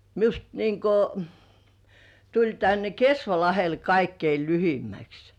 minusta niin kuin tuli tänne Kesvalahdelle kaikkein lyhimmäksi